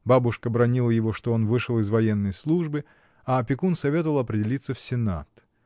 Бабушка бранила его, что он вышел из военной службы, а опекун советовал определиться в сенат.